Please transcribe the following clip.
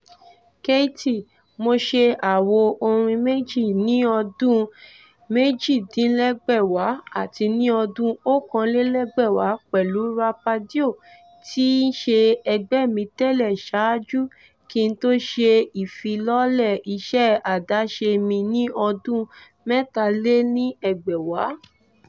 Keyti : mo ṣe àwo - orin méjì (ní ọdún 1998 àti ní ọdún 2001) pẹ̀lú Rapadio tí í ṣe ẹgbẹ́ mi tẹ́lẹ̀ sáájú kí n tó ṣe ìfilọ́lẹ̀ iṣẹ́ àdáṣe mi ní ọdún 2003